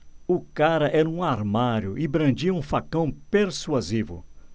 o cara era um armário e brandia um facão persuasivo